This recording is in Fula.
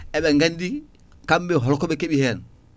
eɓe gandi kamɓe holkoɓe keeɓi hen